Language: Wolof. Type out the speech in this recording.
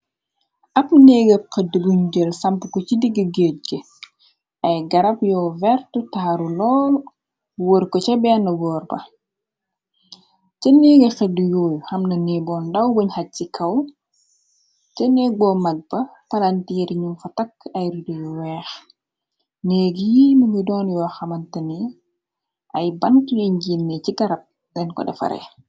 Ab negge xëddi buñ jël sampuko ci digge géej ge ay garab yoo vertu taaru lool wër ko ca benn woor ba ca neege xëdd yuuy xamna neboon ndaw boñ xaj ci kaw ca neeg boo mag ba palantiir ñum fa takk ay rudu yu weex neeg yi mungi doon yoo xamantani ay bante yiñ jiinne ci garab lenn ko defare.